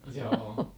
joo